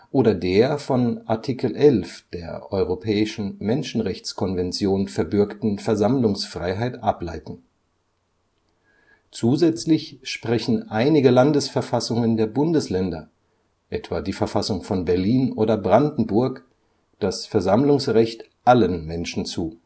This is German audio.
oder der von Art. 11 EMRK verbürgten Versammlungsfreiheit ableiten. Zusätzlich sprechen einige Landesverfassungen der Bundesländer, etwa die Verfassung von Berlin oder Brandenburg, das Versammlungsrecht allen Menschen zu